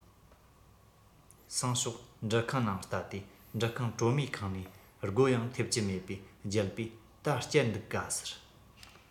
སང ཞོགས འབྲུ ཁང ནང ལྟ དུས འབྲུ ཁང གྲོ མས ཁེངས ནས སྒོ ཡང འཐེབ ཀྱི མེད པས རྒྱལ པོས ད བསྐྱལ འདུག ག ཟེར